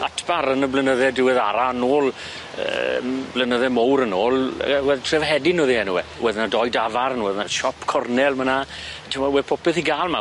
Atbar yn y blynydde diweddara nôl yym blynydde mowr yn ôl yy wel Trefhedyn o'dd 'i enw e. Wedd 'na doi dafarn, wedd 'na siop cornel ma' 'na t'mo' we' popeth i ga'l 'ma.